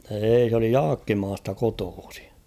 ei se oli Jaakkimasta kotoisin